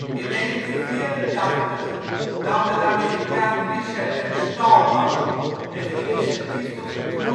1984 nam de Amerikaan Richard M. Stallman het initiatief tot het GNU-project